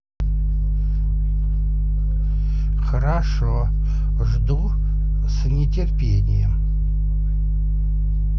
хорошо жду с нетерпением